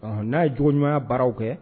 Ɔ n'a ye joɲɔgɔnya baaraw kɛ